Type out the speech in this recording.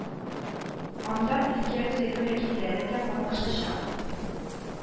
Анда өлкә үзәге вәкилләре дә катнашачак